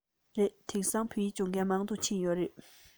རེད དེང སང སྦྱོང མཁན མང དུ ཕྱིན ཡོད རེད